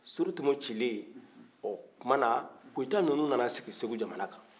sorotomo cilen ɔ o tuma na koyita ninnu nana sigi segu jamana kan